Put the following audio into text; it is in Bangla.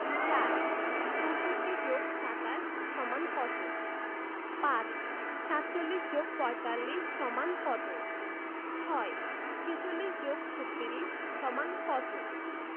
৪ ৬৪ + ২৭ = কত ৫ ৪৭ + ৪৫ = কত ৬ ৪৬ + ৩৬ = কত